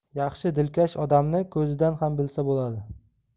yaxshi dilkash odamni ko'zidan ham bilsa bo'ladi